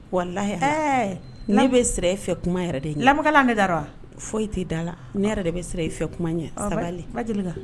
Wala ɛɛ ne bɛ sira e fɛ kuma yɛrɛ de la ne da foyi e t'i da la ne yɛrɛ bɛ sira e fɛ kuma ɲɛ sabali